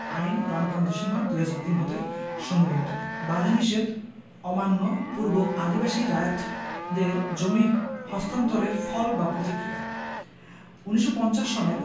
আইন রামকান্ত সিংহ ২০০৩ হতে সংগৃহীত বাধানিষেধ অমান্য পূর্বক আদিবাসী রায়তদের জমির হস্তান্তরের ফল বা প্রতিক্রিয়া ১৯৫০ সনের